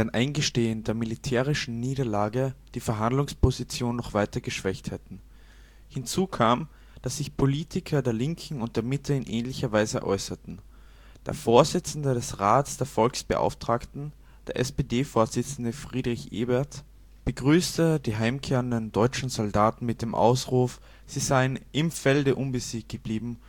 Eingestehen der militärischen Niederlage die Verhandlungsposition noch weiter geschwächt hätten. Hinzu kam, dass sich Politiker der Linken und der Mitte in ähnlicher Weise äußerten: Der Vorsitzende des Rats der Volksbeauftragten, der SPD-Vorsitzende Friedrich Ebert begrüßte die heimkehrenden deutschen Soldaten mit dem Ausruf, sie seien „ im Felde unbesiegt “geblieben